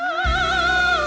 nhớ